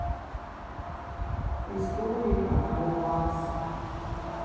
истории одного класса